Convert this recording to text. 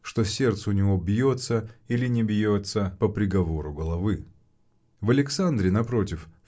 что сердце у него бьется или не бьется по приговору головы. В Александре напротив